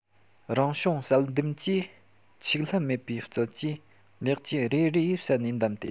རང བྱུང བསལ འདེམས ཀྱིས འཕྱུགས ལྷད མེད པའི རྩལ གྱིས ལེགས བཅོས རེ རེ བསལ ནས བདམས ཏེ